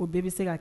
O bɛɛ bɛ se ka